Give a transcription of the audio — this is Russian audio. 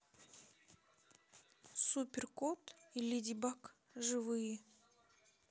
супер кот и леди баг живые